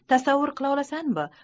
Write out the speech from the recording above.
tasavvur qilolasanmi